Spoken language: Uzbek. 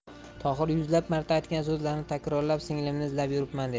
tohir yuzlab marta aytgan so'zlarini takrorlab singlimni izlab yuribman dedi